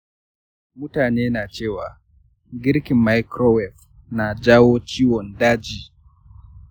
mutane na cewa girkin microwave na jawo ciwon daji.